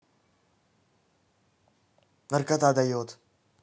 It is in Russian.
наркота дает